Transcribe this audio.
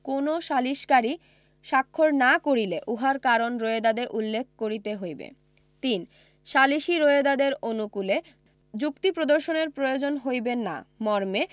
কোন সালিসকারী স্বাক্ষর না করিলে উহার কারণ রোয়েদাদে উল্লেখ করিতে হইবে ৩ সালিসী রোয়েদাদের অনুকূলে যুক্তি প্রদর্শনের প্রয়োজন হইবে না মর্মে